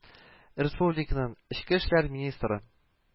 Республиканың эчке эшләр министры